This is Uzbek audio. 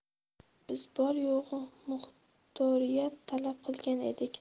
biz bor yo'g'i muxtoriyat talab qilgan edik